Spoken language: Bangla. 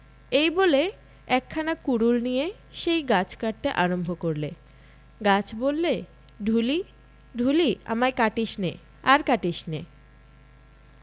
এই বলে একখানা কুডুল নিয়ে সেই গাছ কাটতে আরম্ভ করলে গাছ বললে ঢুলি ঢুলি আমায় কাটিসনে আর কাটিসনে